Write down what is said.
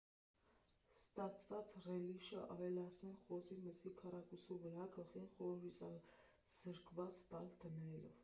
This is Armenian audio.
Ստացված ռելիշը ավելացնել խոզի մսի քառակուսու վրա՝ գլխին կորիզազրկված բալ դնելով։